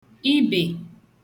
ibè